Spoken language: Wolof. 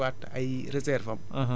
bàyyi suuf si mu noppalu